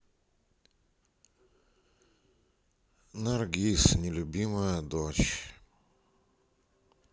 наргиз нелюбимая дочь